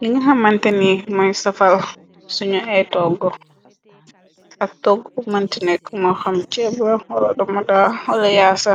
li nga xamanteni moy safal suñu ay togg ak togg umanti nekk moo xam ceba la wolo doma da woloyaasa